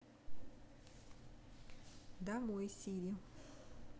домой сири